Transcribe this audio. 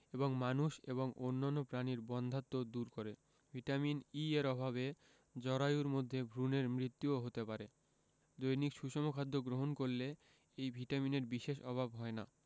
এবং মানুষ এবং অন্যান্য প্রাণীর বন্ধ্যাত্ব দূর করে ভিটামিন E এর অভাবে জরায়ুর মধ্যে ভ্রুনের মৃত্যুও হতে পারে দৈনিক সুষম খাদ্য গ্রহণ করলে এই ভিটামিনের বিশেষ অভাব হয় না